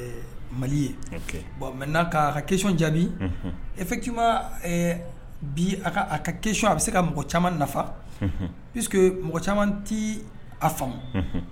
Mali , ok, bon maintenant ka n quesion jaabi, unhun, effectivement bi a ka quesion a bɛ se ka mɔgɔ caaman nafa, unhun, puisue mɔgɔ caaman tɛ a faamu, unhun.